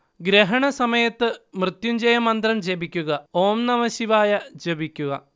ഗ്രഹണ സമയത്ത് മൃത്യുഞ്ജയ മന്ത്രം ജപിക്കുക, ഓം നമഃശിവായ ജപിക്കുക